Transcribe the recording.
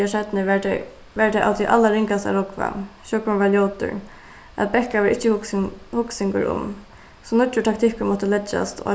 dagar seinni var tað var tað av tí allarringasta at rógva sjógvurin var ljótur at bekka var ikki hugsingur um so nýggjur taktikkur mátti leggjast á